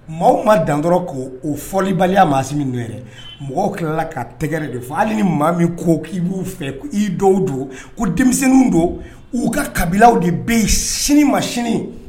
Maaw ma dan dɔrɔn ko o fɔlibaliya maasi min n' ye mɔgɔ tilala ka tɛgɛɛrɛ de fɔ hali ni maa min ko k'i b'u fɛ' dɔw don ko denmisɛnnin don u ka kabilalaw de bɛ yen sini ma sini